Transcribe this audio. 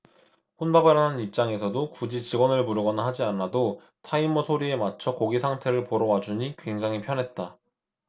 혼밥을 하는 입장에서도 굳이 직원을 부르거나 하지 않아도 타이머 소리에 맞춰 고기 상태를 보러 와주니 굉장히 편했다